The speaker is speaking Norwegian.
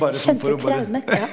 kjente traume ja.